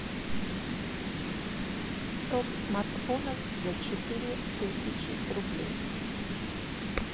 топ смартфонов за четыре тысячи рублей